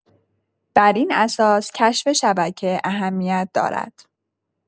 بر این اساس کشف شبکه اهمیت دارد.